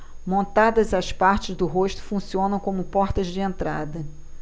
montadas as partes do rosto funcionam como portas de entrada